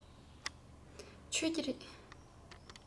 མཆོད ཀྱི རེད